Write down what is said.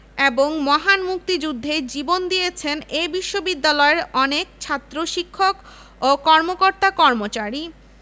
লীলা নাগের ১৯২১ সালে এম.এ কোর্সে যোগদান অথবা ১৯৩৫ সালে করুণাকণা গুপ্তের মহিলা শিক্ষক হিসেবে নিয়োগকে সেই সময়ে সাহসী পদক্ষেপ